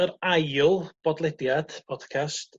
yr ail bodlediad podcast